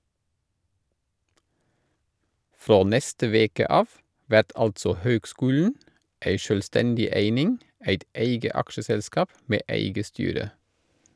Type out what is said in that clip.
Frå neste veke av vert altså høgskulen ei sjølvstendig eining, eit eige aksjeselskap med eige styre.